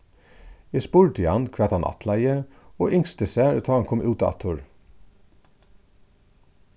eg spurdi hann hvat hann ætlaði og ynskti sær tá hann kom útaftur